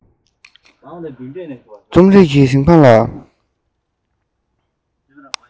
རྩོམ རིག གི ཞིང ཁམས ལ